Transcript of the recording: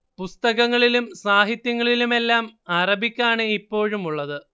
പുസ്തകങ്ങളിലും സാഹിത്യങ്ങളിലും എല്ലാം അറബിക്കാണ് ഇപ്പോഴുമുള്ളത്